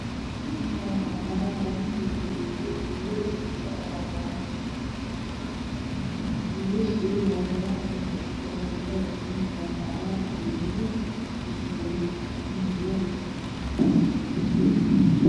Meeshaani waa garoon banooni lagu dheelo wiilal iyo gabdho ayaa daawanaayo wiilasha dheelaayo garoonka ayey ku dhex jiraan waxay wataan shaati cadaan iyo fananad guduunan